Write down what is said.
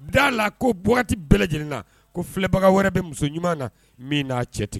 Da a la ko wagati bɛɛ lajɛlen na ko filɛbaga wɛrɛ bɛ muso ɲuman na min n'a cɛ ten